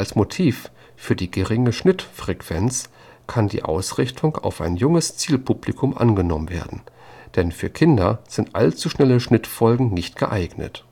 Motiv für die geringe Schnitt-Frequenz kann die Ausrichtung auf ein junges Zielpublikum angenommen werden, denn für Kinder sind allzu schnelle Schnittfolgen nicht geeignet